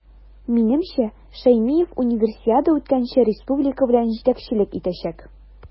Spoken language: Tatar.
Минемчә, Шәймиев Универсиада үткәнче республика белән җитәкчелек итәчәк.